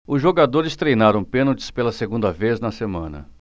os jogadores treinaram pênaltis pela segunda vez na semana